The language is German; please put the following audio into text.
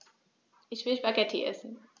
Ich will Spaghetti essen.